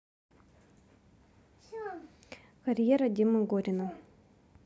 карьера димы горина